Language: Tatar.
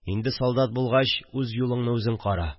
Инде солдат булгач үз юлыңны үзең кара